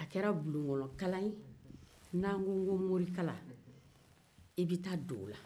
ni an ko ko morikalan i bɛ taa don o la